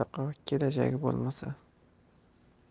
mutlaqo kelajagi bo'lmasa